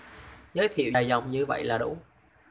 giới thiệu dài dòng như vậy là đủ